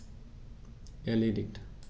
Erledigt.